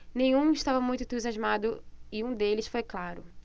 nenhum estava muito entusiasmado e um deles foi claro